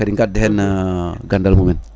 kadi ganda hen gandal mumen